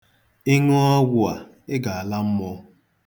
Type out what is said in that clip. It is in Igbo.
Ị ṅụọ ọgwụ a, ị ga-ala mmụọ.